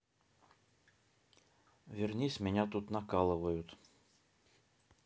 вернись меня тут накалывают